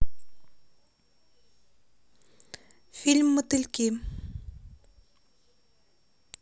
фильм мотыльки